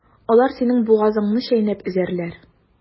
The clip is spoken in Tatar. Алар синең бугазыңны чәйнәп өзәрләр.